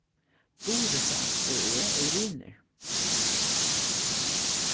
durita og eg eru vinir